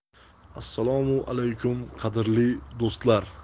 assalomu alaykum qadrli do'stlar